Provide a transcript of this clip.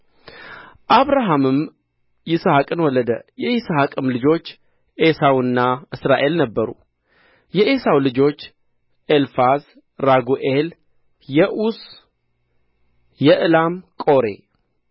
አብርሃምም ይስሐቅን ወለደ የይስሐቅም ልጆች ዔሳውና እስራኤል ነበሩ የዔሳው ልጆች ኤልፋዝ ራጉኤል የዑስ የዕላም ቆሬ